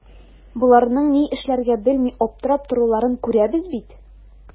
Боларның ни эшләргә белми аптырап торуларын күрәбез бит.